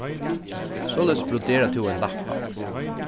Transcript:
soleiðis broderar tú ein lappa